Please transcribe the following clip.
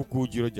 U k'u jira